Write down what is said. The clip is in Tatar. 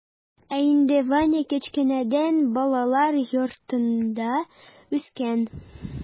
Ә инде ваня кечкенәдән балалар йортында үскән.